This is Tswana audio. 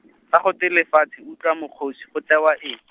fa go twe lefatshe utlwa mokgosi, go tewa eng?